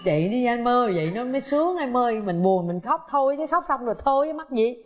dậy đi em ơi dậy nó mới sướng em ơi mình buồn mình khóc thôi chứ khóc xong rồi thôi mắc gì